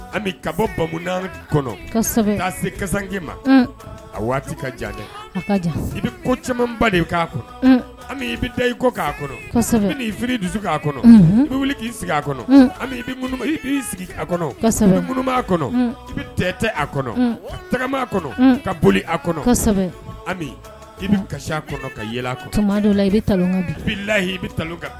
Ami ka bɔ ma a waati ka jan i ko caman'a kɔnɔ ami i bɛ da i kɔ k'a kɔnɔi dusu k'a kɔnɔ i wuli k'i sigi a kɔnɔi sigi a'a kɔnɔ i bɛ tɛ a kɔnɔ tagamaa kɔnɔ ka boli a kɔnɔ ami i bɛ kasi a ka la ilahi i bɛ kan